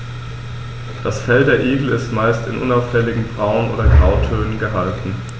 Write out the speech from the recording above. Das Fell der Igel ist meist in unauffälligen Braun- oder Grautönen gehalten.